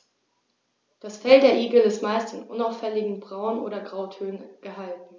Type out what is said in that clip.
Das Fell der Igel ist meist in unauffälligen Braun- oder Grautönen gehalten.